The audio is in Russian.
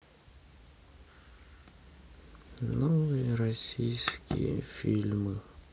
новые российские фильмы